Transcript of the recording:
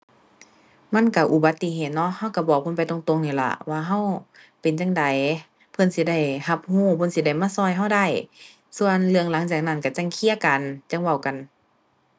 มันก็อุบัติเหตุเนาะก็ก็บอกเพิ่นไปตรงตรงนี่ล่ะว่าก็เป็นจั่งใด เพิ่นสิได้ก็ก็ เพิ่นสิได้มาก็ก็ได้ ส่วนเรื่องหลังจากนั้นก็จั่งเคลียร์กันจั่งเว้ากัน